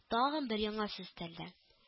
Тагын бер яңасы өстәлде